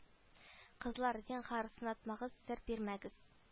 Кызлар зинһар сынатмагыз сер бирмәгез